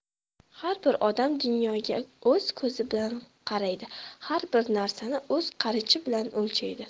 har bir odam dunyoga o'z ko'zi bilan qaraydi har bir narsani o'z qarichi bilan o'lchaydi